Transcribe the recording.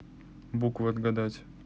буквы отгадать